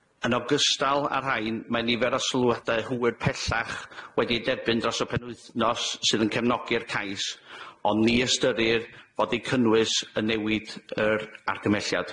'Yn ogystal â'r rhain, mae nifer o sylwadau hwyr pellach wedi eu derbyn dros y penwythnos sydd yn cefnogi'r cais, ond ni ystyrir fod eu cynnwys yn newid yr argymhelliad.